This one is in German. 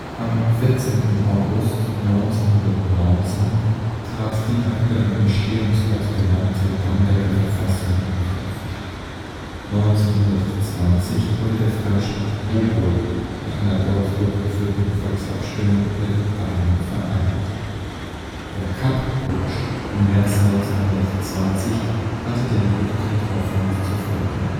Am 14. August 1919 trat die nach ihrem Entstehungsort benannte Bamberger Verfassung in Kraft. 1920 wurde der Freistaat Coburg nach einer dort durchgeführten Volksabstimmung mit Bayern vereinigt. Der Kapp-Putsch im März 1920 hatte den Rücktritt Hoffmanns zur Folge